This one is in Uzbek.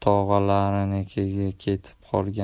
tog'alarinikiga ketib qolgan